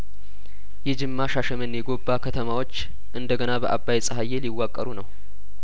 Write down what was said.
የጅማ ሻሸመኔ ጐባ ከተማዎች እንደገና በአባይጸሀዬ ሊዋቀሩ ነው